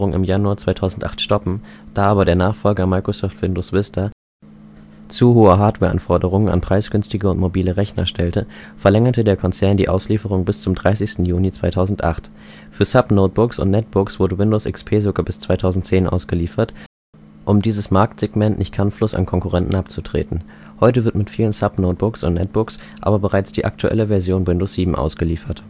im Januar 2008 stoppen, da aber der Nachfolger Microsoft Windows Vista zu hohe Hardwareanforderungen an preisgünstige und mobile Rechner stellte, verlängerte der Konzern die Auslieferung bis zum 30. Juni 2008. Für Subnotebooks und Netbooks wurde Windows XP sogar bis 2010 ausgeliefert, um dieses Marktsegment nicht kampflos an Konkurrenten abzutreten. Heute wird mit vielen Subnotebooks und Netbooks aber bereits die aktuelle Version Windows 7 ausgeliefert